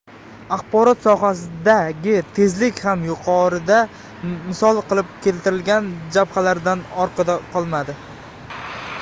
axborot sohasidagi tezlik ham yuqorida misol qilib keltirilgan jabhalardan orqada qolmadi